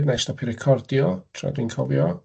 wnâi stopio recordio tra dwi'n cofio.